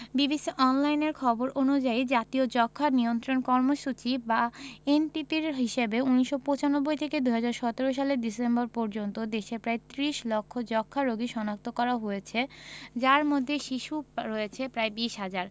BBC অনলাইনের খবর অনুযায়ী জাতীয় যক্ষ্মা নিয়ন্ত্রণ কর্মসূচি বা এনটিপির হিসেবে ১৯৯৫ থেকে ২০১৭ সালের ডিসেম্বর পর্যন্ত দেশে প্রায় ৩০ লাখ যক্ষ্মা রোগী শনাক্ত করা হয়েছে যার মধ্যে শিশু রয়েছে প্রায় ২০ হাজার